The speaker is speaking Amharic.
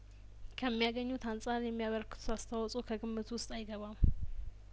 ከሚያገኙት አንጻር የሚያበረክቱት አስተዋጽኦ ከግምት ውስጥ አይገባም